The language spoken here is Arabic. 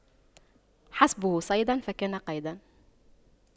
حسبه صيدا فكان قيدا